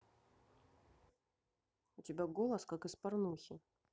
у тебя голос как из порнухи